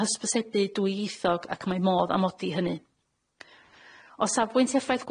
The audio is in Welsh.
hysbysebu dwyieithog ac mae modd amodi hynny. O safbwynt effaith